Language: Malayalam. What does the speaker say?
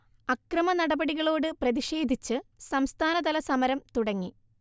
അക്രമനടപടികളോട് പ്രതിക്ഷേധിച്ച് സംസ്ഥാനതല സമരം തുടങ്ങി